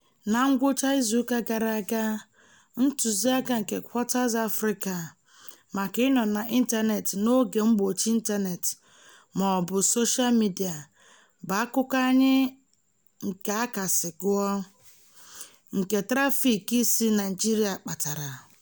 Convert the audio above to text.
Na ngwụcha izu ụka gara aga, ntụziaka nke Quartz Africa maka ịnọ n'ịntaneetị n'oge mgbochi ịntaneetị ma ọ bụ soshaa midịa bụ akụkọ anyị nke a kasị gụọ, nke trafiiki si Naịjirịa kpatara.